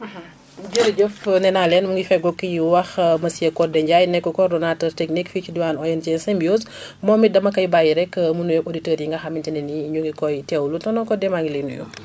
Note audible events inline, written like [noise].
[hesitation] [hesitation] jërëf nee naa leen mu ngi fegoog ki ñuy wax [hesitation] monsieur Codé Ndiaye nekk coordonnateur technique ci diwaan ONG Symbiose [breath] moom it dama koy bàyyi rek mu nuyoog auditeurs yi nga xamante ne nii ñu ngi koy teewlu tonton Codé maa ngi lay nuyu